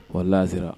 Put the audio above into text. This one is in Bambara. Wa lasera